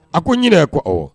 A ko Ɲinɛ ko awɔ